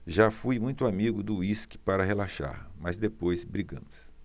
já fui muito amigo do uísque para relaxar mas depois brigamos